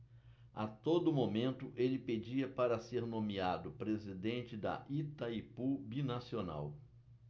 a todo momento ele pedia para ser nomeado presidente de itaipu binacional